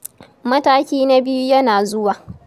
Mataki na biyu yana zuwa.